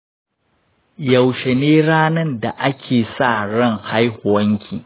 yaushe ne ranan da ake sa ran haihuwanki?